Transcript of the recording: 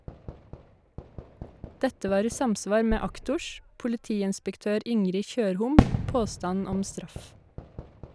Dette var i samsvar med aktors, politiinspektør Ingrid Tjørhom , påstand om straff.